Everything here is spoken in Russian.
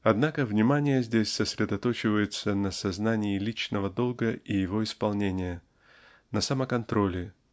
Однако внимание здесь сосредоточивается на сознании личного долга и его исполнения на самоконтроле